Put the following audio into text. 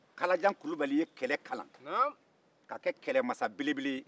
kalajan kulubali ye kɛlɛ kalan ka kɛ kɛlɛmasa belebele ye